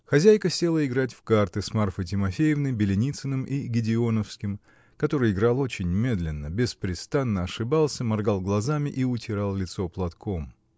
Хозяйка села играть в карты с Марфой Тимофеевной, Беленицыным и Гедеоновским, который играл очень медленно, беспрестанно ошибался, моргал глазами и утирал лицо платком.